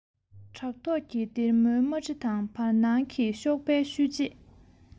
བྲག ཐོག གི སྡེར མོའི དམར དྲི དང བར སྣང གི གཤོག པའི ཤུལ རྗེས